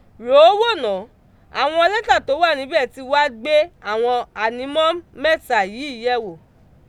Rò ó wò ná, àwọn lẹ́tà tó wà níbẹ̀ ti wá gbé àwọn ànímọ́ mẹ́ta yìí yẹ̀ wò.